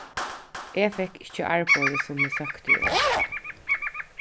eg fekk ikki arbeiðið sum eg søkti um